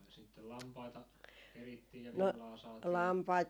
no sitten lampaita kerittiin ja villaa saatiin